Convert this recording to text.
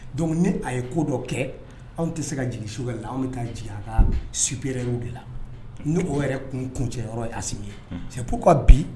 Donc ni a ye ko dɔ kɛ, anw tɛ se ka jigin Sɔgɛli la, anw bɛ taa jigin a ka superieur de la ni yɛrɛ kun kuncɛyɔrɔ ye Hasimi ye. C'est pour quoi _ bi